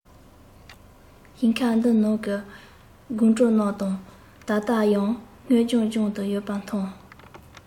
ཞིང ཁ འདིའི ནང གི དགུན གྲོ རྣམས ད ལྟ ཡང སྔོ ལྗང ལྗང དུ ཡོད པ མཐོང